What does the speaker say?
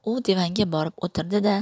u divanga borib o'tirdi da